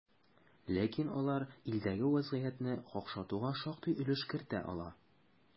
Ләкин алар илдәге вазгыятьне какшатуга шактый өлеш кертә ала.